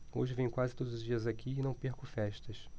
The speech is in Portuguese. hoje venho quase todos os dias aqui e não perco festas